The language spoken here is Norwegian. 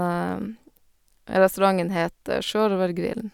Restauranten het Sjørøvergrillen.